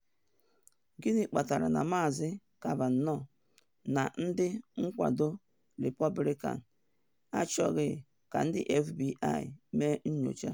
Gịnị kpatara na Maazị Kavanaugh na ndị nkwado Repọblikan achọghị ka ndị FBI mee nyocha?